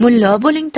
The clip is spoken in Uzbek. mullo bo'ling